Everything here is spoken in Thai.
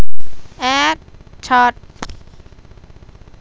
แอดช็อต